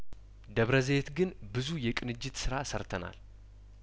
ደብረ ዘይት ግን ብዙ የቅንጅት ስራ ሰርተናል